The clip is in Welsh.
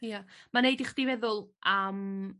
Ia ma'n neud i chdi feddwl am